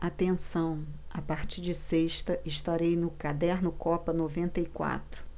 atenção a partir de sexta estarei no caderno copa noventa e quatro